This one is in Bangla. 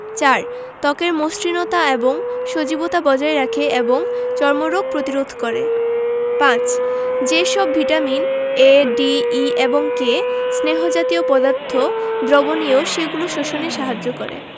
৪ ত্বকের মসৃণতা এবং সজীবতা বজায় রাখে এবং চর্মরোগ প্রতিরোধ করে ৫ যে সব ভিটামিন এ ডি ই এবং কে স্নেহ জাতীয় পদার্থ দ্রবণীয় সেগুলো শোষণে সাহায্য করে